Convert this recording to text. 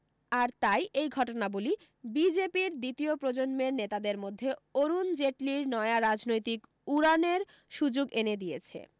আর তাই এই ঘটনাবলি বিজেপির দ্বিতীয় প্রজন্মের নেতাদের মধ্যে অরুণ জেটলির নয়া রাজনৈতিক উড়ানের সু্যোগ এনে দিয়েছে